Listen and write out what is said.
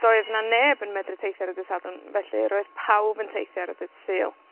doedd 'na neb yn medru teithio ar y dydd Sadwrn, felly roedd pawb yn teithio ar y dydd Sul.